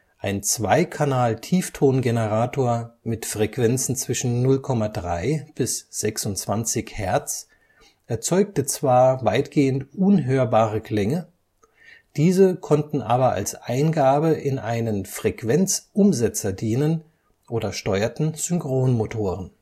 Ein Zwei-Kanal-Tiefton-Generator mit Frequenzen zwischen 0,3 bis 26 Hertz erzeugte zwar weitgehend unhörbare Klänge, diese konnten aber als Eingabe in einen Frequenzumsetzer dienen oder steuerten Synchronmotoren